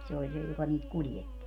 se oli se joka niitä kuljetti